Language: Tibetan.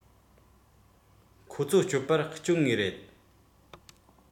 ཁོ ཚོ སྐྱོབ པར བསྐྱོད ངེས རེད